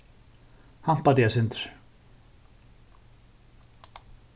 hampa teg eitt sindur